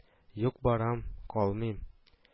— юк, барам. калмыйм